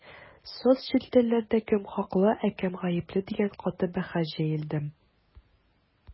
Соцчелтәрләрдә кем хаклы, ә кем гапле дигән каты бәхәс җәелде.